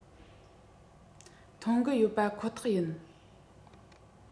མཐོང གི ཡོད པ ཁོ ཐག ཡིན